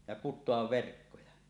ja kutoa verkkoja